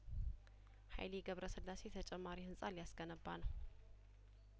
ሀይሌ ገብረስላሴ ተጨማሪ ህንጻ ሊያስ ገነባ ነው